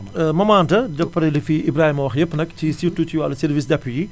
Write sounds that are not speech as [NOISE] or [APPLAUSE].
[HESITATION] maman Anta [NOISE] d' après li fi Ibrahima wax yépp nag ci surtout si wàllu sercices d' appui yi